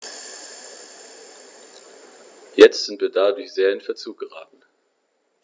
Jetzt sind wir dadurch sehr in Verzug geraten.